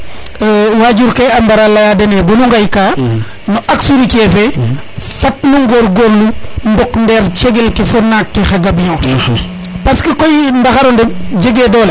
wajuur ke a mbara leya dene bonu ŋay ka no axe routier fe fat nu ngorgorlu ndok ndeer cegel ke fo naak we xa gambiyo xe parce que koy ndaxaro ɗeɓ jege dole